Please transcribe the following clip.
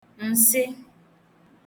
ǹsị